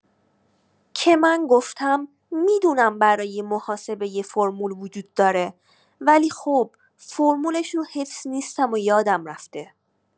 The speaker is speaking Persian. که من گفتم می‌دونم برای محاسبه یه فرمول وجود داره ولی خب فرمولش رو حفظ نیستم و یادم رفته.